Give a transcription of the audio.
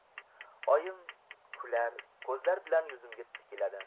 oyim kular ko'zlar bilan yuzimga tikiladi